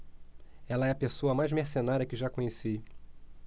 ela é a pessoa mais mercenária que já conheci